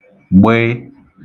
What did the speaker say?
gb